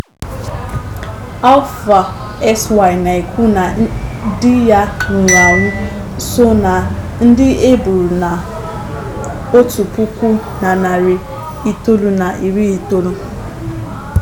Alpha Sy na-ekwu na di ya nwụrụ anwụ so na ndị e gburu na 1990.